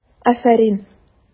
Афәрин!